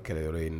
Kɛlɛ yɔrɔ ye in